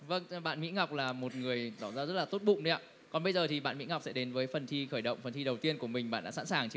vâng bạn mỹ ngọc là một người tỏ ra rất là tốt bụng đấy ạ còn bây giờ thì bạn mỹ ngọc sẽ đến với phần thi khởi động phần thi đầu tiên của mình bạn đã sẵn sàng chưa